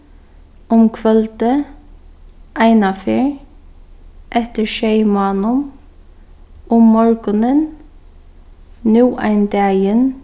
um kvøldið einaferð eftir sjey mánum um morgunin nú ein dagin